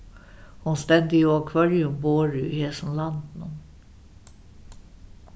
hon stendur jú á hvørjum borði í hesum landinum